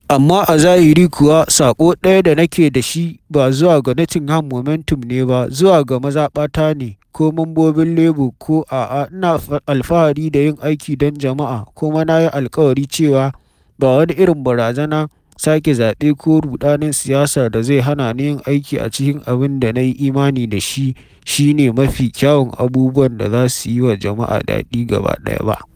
Amma a zahiri kuwa saƙo ɗaya da nake da shi ba zuwa ga Nottingham Momentum ne ba, zuwa ga mazaɓata ne, ko mambobin Labour ko a’a: Ina alfahari da yin aiki don jama’a kuma na yi alkawari cewa ba wani irin barazana sake zaɓe ko ruɗanin siyasa da zai hana ni yin aiki a cikin abin da na yi imani da shi shi ne mafi kyawun abubuwan da za su yi wa jama’a dadi gaba ɗaya.